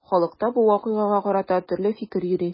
Халыкта бу вакыйгага карата төрле фикер йөри.